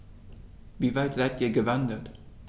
Wie weit seid Ihr gewandert?